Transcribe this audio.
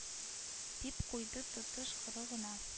Дип куйды тотыш коры гына